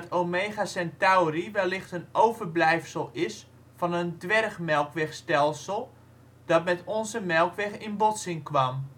Omega Centauri wellicht een overblijfsel is van een dwergmelkwegstelsel dat met onze Melkweg in botsing kwam